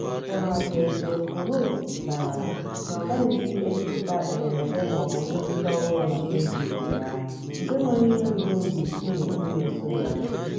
Folha de Sao Paulo kwuputara na ọ gaghịzi ebipụta ederede maọbụ mmelite ọhụrụ na Facebook ya, nke nwere ihe ruru nde isii ndị na-eso ya.